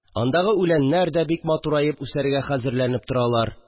Андагы үләннәр дә бик матураеп үсәргә хәзерләнеп торалар